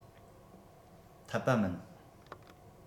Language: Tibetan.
འཐད པ མིན